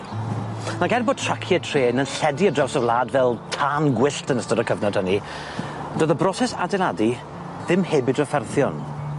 Ag er bo' tracie trên yn lledu ar draws y wlad fel tân gwyllt yn ystod y cyfnod hynny do'dd y broses adeiladu ddim heb 'i drafferthion.